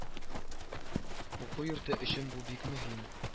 Уку йорты өчен бу бик мөһим